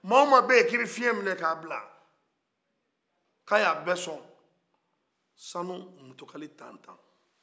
mɔgɔ wo mɔgɔ ko a bɛ fiɲɛ minɛ a k'a bila ko a y'a bɛɛ sɔn sanu mutukali tantan